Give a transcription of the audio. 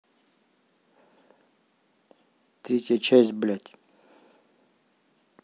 третья часть блядь